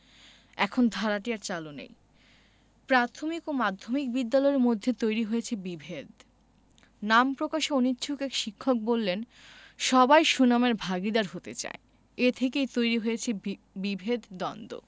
এখন ধারাটি আর চালু নেই প্রাথমিক ও মাধ্যমিক বিদ্যালয়ের মধ্যে তৈরি হয়েছে বিভেদ নাম প্রকাশে অনিচ্ছুক এক শিক্ষক বললেন সবাই সুনামের ভাগীদার হতে চায় এ থেকেই তৈরি হয়েছে বিভেদ দ্বন্দ্ব